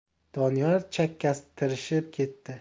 doniyor chakkasi tirishib ketdi